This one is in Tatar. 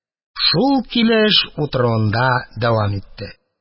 Шул килеш утыруында дәвам итте.